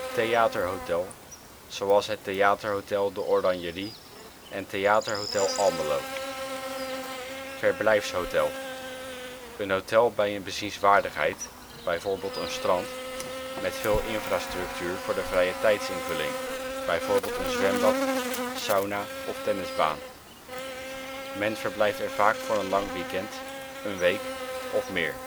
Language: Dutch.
Theaterhotel: Zoals het TheaterHotel De Oranjerie en Theaterhotel Almelo. Verblijfshotel: Een hotel bij een bezienswaardigheid (bijvoorbeeld een strand) met veel infrastructuur voor de vrijetijdsinvulling (bijvoorbeeld een zwembad, sauna, tennisbaan). Men verblijft er vaak voor een lang weekend, een week of meer